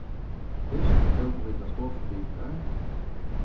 fyrst tóku vit eitt stórt bikar